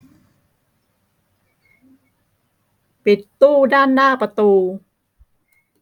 ปิดตู้ด้านหน้าประตู